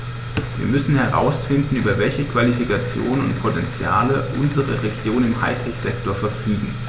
Wir müssen herausfinden, über welche Qualifikationen und Potentiale unsere Regionen im High-Tech-Sektor verfügen.